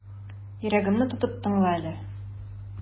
Йөрәгемне тотып тыңла әле.